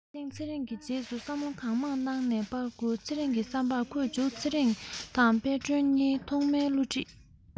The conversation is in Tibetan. ད ཐེངས ཚེ རིང གིས རྗེས སུ བསམ བློ གང མང བཏང ནས པར བསྐུར ཚེ རིང གི བསམ པར ཁོས མཇུག ཚེ རིང དང དཔལ སྒྲོན གཉིས ཐོག མའི བསླུ བྲིད